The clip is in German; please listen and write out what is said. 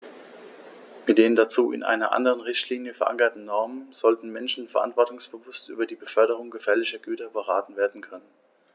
Mit den dazu in einer anderen Richtlinie, verankerten Normen sollten Menschen verantwortungsbewusst über die Beförderung gefährlicher Güter beraten werden können.